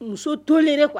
Muso tolen kuwa